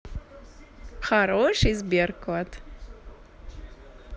хороший сбер кот